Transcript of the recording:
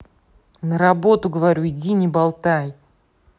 на работу говорю иди не болтай